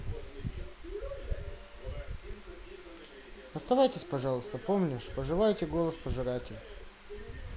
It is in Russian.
оставайтесь пожалуйста помнишь поживаете голос пожиратель